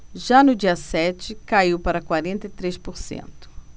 já no dia sete caiu para quarenta e três por cento